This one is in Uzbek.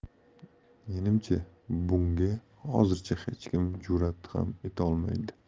menimcha bunga hozircha hech kim jur'at ham etolmaydi